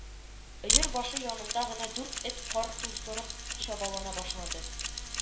Өер башы янында гына дүрт эт кар туздырып чабалана башлады